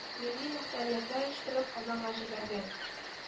Милли мохтариятлар оештырып казанга җибәргән